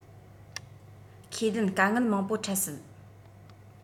ཁས ལེན དཀའ ངལ མང པོ འཕྲད སྲིད